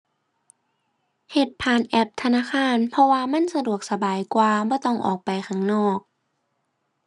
เฮ็ดผ่านแอปธนาคาร เพราะว่ามันสะดวกสบายกว่า บ่ต้องออกไปข้างนอก